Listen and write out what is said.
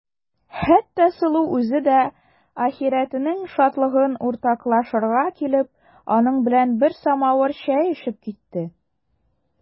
Хәтта Сылу үзе дә ахирәтенең шатлыгын уртаклашырга килеп, аның белән бер самавыр чәй эчеп китте.